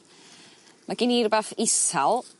Ma' gin i rwbath isal